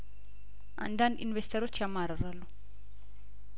አንዳንድ ኢንቬስተሮች ያማርራሉ